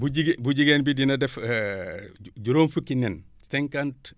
bu jigée bu jigéen bi dina def juróom fukki nen cinquante